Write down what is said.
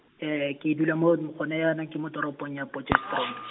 ke dula mo, mo go ne jaanong ke mo toropong ya Potchefstroom.